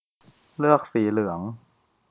เลือกสีเหลือง